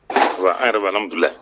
Ayiwa yɛrɛraba bila